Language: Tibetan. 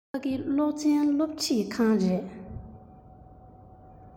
ཕ གི གློག ཅན སློབ ཁྲིད ཁང ཆེན ཡིན